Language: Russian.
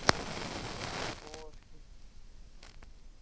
глупые кошки